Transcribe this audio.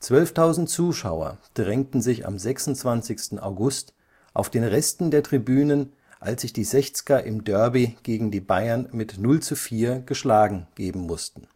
12.000 Zuschauer drängten sich am 26. August auf den Resten der Tribünen, als sich die Sechzger im Derby gegen die Bayern mit 0:4 geschlagen geben mussten